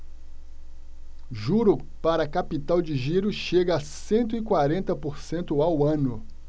juro para capital de giro chega a cento e quarenta por cento ao ano